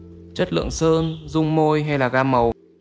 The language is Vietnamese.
chất lượng sơn dung môi hay gam màu